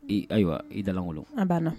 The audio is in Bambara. Ayiwa i dalankolon n banna